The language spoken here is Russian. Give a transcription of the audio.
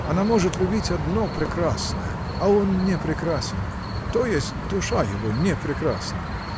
Она может любить одно прекрасное, а он не прекрасен, то есть душа его не прекрасна.